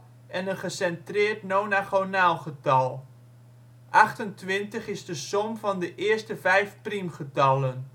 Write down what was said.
en een gecentreerd nonagonaal getal. Achtentwintig is de som van de eerste vijf priemgetallen